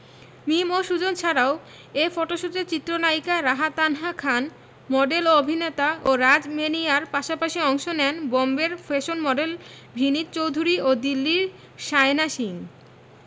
মিম ও সুজন ছাড়াও এ ফটোশ্যুটে চিত্রনায়িকা রাহা তানহা খান মডেল ও অভিনেতা ও রাজ ম্যানিয়ার পাশাপাশি অংশ নেন বোম্বের ফ্যাশন মডেল ভিনিত চৌধুরী ও দিল্লির শায়না সিং